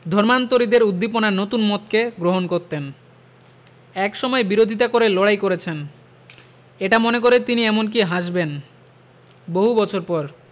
ধর্মান্তরিতের উদ্দীপনায় নতুন মতকে গ্রহণ করতেন একসময় বিরোধিতা করে লড়াই করেছেন এটা মনে করে তিনি এমনকি হাসবেন বহু বছর পর